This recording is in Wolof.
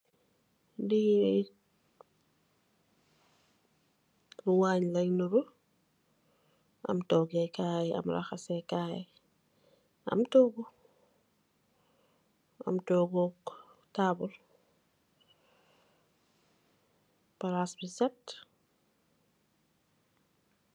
Bii dhe wanj lia nduru. Am torgeh kaii am rahasseh kaii. Amm torgu. Am torgu ak tabull. Plass Bu set.